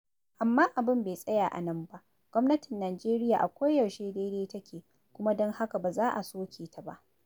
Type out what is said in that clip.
Amma abin bai tsaya a nan ba, gwamnatin Najeriya a koyaushe daidai take yi, kuma don haka ba za a soke ta ba.